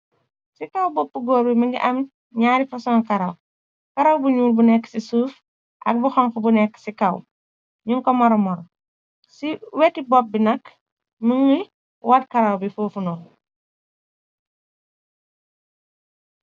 Ci kaw bopp góor bi mungi am ñaari fason karaw karaw bu ñuul bu nekk ci suuf ak bu xank bu nekk ci kaw ñun ko mara moro ci weti bopp bi nakk më ngu waat karaw bi foofu noon.